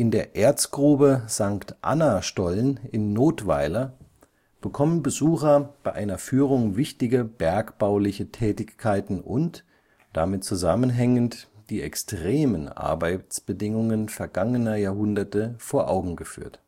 der Erzgrube St.-Anna-Stollen in Nothweiler bekommen Besucher bei einer Führung wichtige bergbauliche Tätigkeiten und, damit zusammenhängend, die extremen Arbeitsbedingungen vergangener Jahrhunderte vor Augen geführt